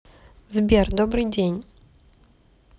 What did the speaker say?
сбер добрый день